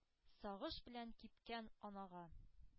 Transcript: Сагыш белән кипкән анага: